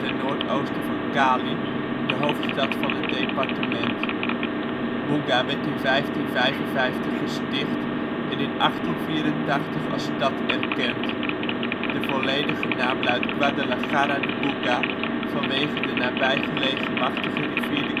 noord-oosten van Cali, de hoofdstad van het departement. Buga werd in 1555 gesticht en in 1884 als stad erkend. De volledige naam luidt Guadalajara de Buga, vanwege de nabij gelegen machtige rivier de